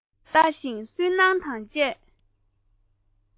ལྟ བཞིན སུན སྣང དང བཅས